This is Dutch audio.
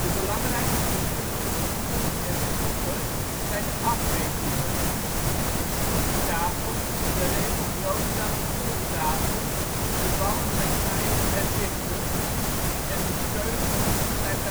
belangrijkste verschillen tussen pool en snooker zijn de afmetingen; een snookertafel is in de regel groter dan een pooltafel, de ballen zijn kleiner en lichter en de keus zijn